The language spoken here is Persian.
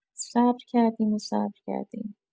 صبر کردیم و صبر کردیم.